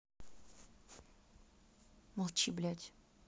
молчи блядь